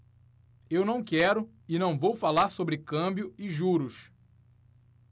eu não quero e não vou falar sobre câmbio e juros